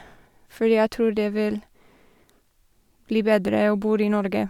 Fordi jeg tror det vil bli bedre å bor i Norge.